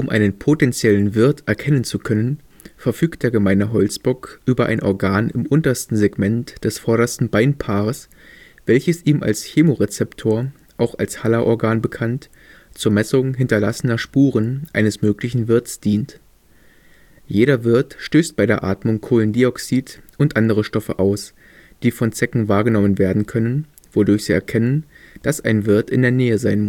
einen potentiellen Wirt erkennen zu können, verfügt der Gemeine Holzbock über ein Organ im untersten Segment des vordersten Beinpaars, welches ihm als Chemorezeptor, auch als Haller-Organ bekannt, zur Messung hinterlassener Spuren eines möglichen Wirts dient. Jeder Wirt stößt bei der Atmung Kohlendioxid und andere Stoffe aus, die von Zecken wahrgenommen werden können, wodurch sie erkennen, dass ein Wirt in der Nähe sein muss